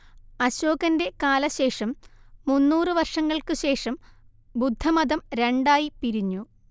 അശോകന്റെ കാലശേഷം മുന്നൂറ് വർഷങ്ങൾക്ക് ശേഷം ബുദ്ധമതം രണ്ടായി പിരിഞ്ഞു